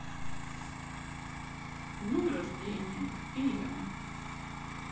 с днем рождения и я